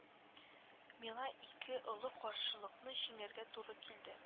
Миңа ике олы каршылыкны җиңәргә туры килде